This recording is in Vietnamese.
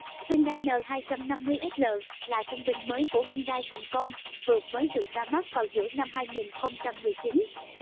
hyundai n sl là tân binh mới của hyundai thành công vừa mới được ra mắt vào giữa năm